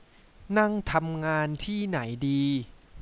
นั่งทำงานที่ไหนดี